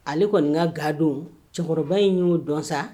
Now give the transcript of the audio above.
Ale kɔni ka gadon cɛkɔrɔba in y'o dɔn sa